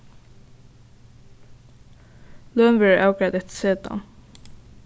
løn verður avgreidd eftir setan